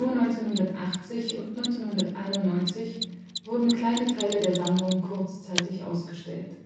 1980 und 1991 wurden kleine Teile der Sammlung kurzzeitig ausgestellt